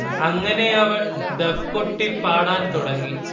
അങ്ങനെയവൾ ദഫ് കൊട്ടി പാടാൻ തുടങ്ങി